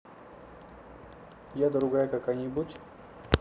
я другая какая нибудь